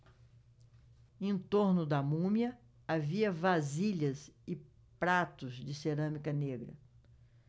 em torno da múmia havia vasilhas e pratos de cerâmica negra